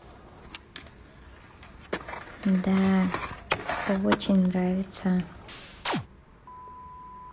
да очень нравится